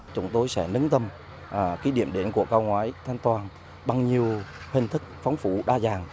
chúng tôi sẽ nâng tầm cái điểm đến của cầu ngói thanh toàn bằng nhiều hình thức phong phú đa dạng